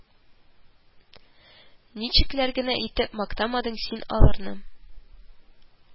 Ничекләр генә итеп мактамадың син аларны